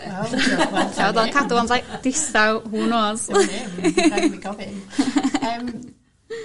ti 'od o'dd o'n cadw o'n reit distaw. Who knows. Wn i 'im by- bydd rhaid i fi gofyn. Yym.